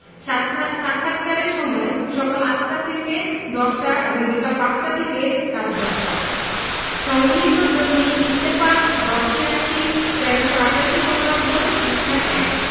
সাক্ষা সাক্ষাতকারের সময়ঃসকাল ৮টা থেকে ১০টা বিকাল ৫টা থেকে ১০টা সংগৃহীত দৈনিক ইত্তেফাক ১০ই আশ্বিন ১৩৮৮ বঙ্গাব্দ পৃষ্ঠা ১